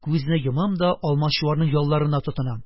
Күзне йомам да алмачуарның ялларына тотынам.